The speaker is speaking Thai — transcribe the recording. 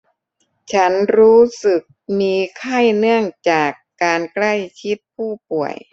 ฉันรู้สึกมีไข้เนื่องจากการใกล้ชิดผู้ป่วย